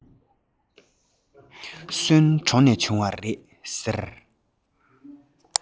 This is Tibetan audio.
སོན གྲོ ནས བྱུང བ རེད ཟེར